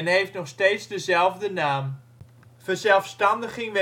heeft nog steeds dezelfde naam. Verzelfstandiging